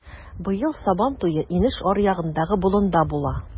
Быел Сабантуе инеш аръягындагы болында була.